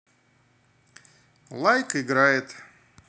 лайк играет